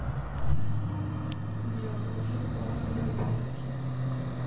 диалоги о рыбалке